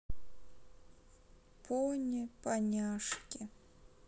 пони поняшки